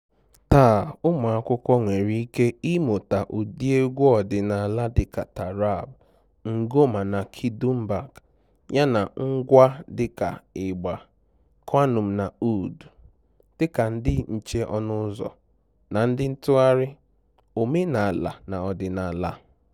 Taa, ụmụakwụkwọ nwere ike ịmụta ụdị egwu ọdịnaala dịka taarab, ngoma na kidumbak, yana ngwa dịka ịgbà, qanun na ọọd, dịka ndị nche ọnụ ụzọ - na ndị ntụgharị - omenaala na ọdịnaala.